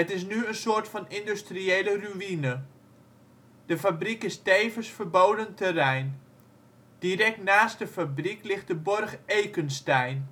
is nu een soort van industriële ruïne. De fabriek is tevens verboden terrein. Direct naast de fabriek ligt de borg Ekenstein